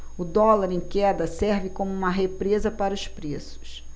o dólar em queda serve como uma represa para os preços